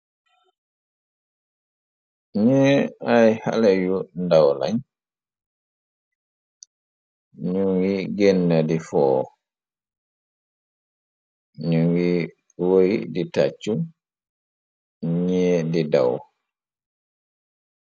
Ñi ay xalé yu ndawlañ, ñu ngi génna di foo, ñu ngi woy di tàccu, ñi di daw.